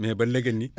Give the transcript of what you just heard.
mais ba léegi nii